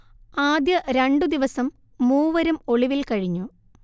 ആദ്യ രണ്ടു ദിവസം മൂവരും ഒളിവിൽ കഴിഞ്ഞു